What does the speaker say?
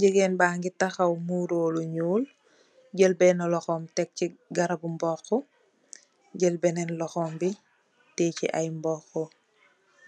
Jigeen ba'ngi taxaw muro lu ñuul jél benna loxom tèk ci garabu mboxu, jél benen loxom bi teyeh ci ay mboxu